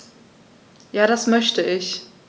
Ja, das möchte ich.